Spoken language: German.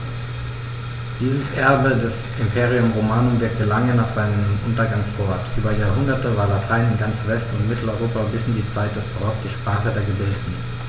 Dieses Erbe des Imperium Romanum wirkte lange nach seinem Untergang fort: Über Jahrhunderte war Latein in ganz West- und Mitteleuropa bis in die Zeit des Barock die Sprache der Gebildeten.